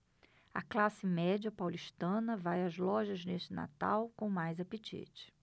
a classe média paulistana vai às lojas neste natal com mais apetite